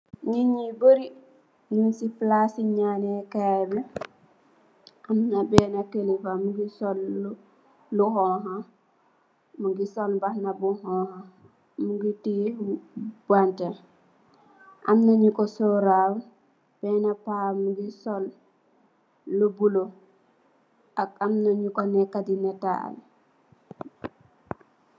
Nitt yu bari nyung si palac si nyang nee kai bi amna bena kelipha mogi sol lu xonxa mogi sol mbahana bu xonxa mogi teyeh panta amna nyu ko surround bena pa mogi sol lu bulo ak amna nyu ko neka di netal.